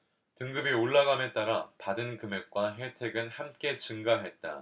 등급이 올라감에 따라 받은 금액과 혜택은 함께 증가했다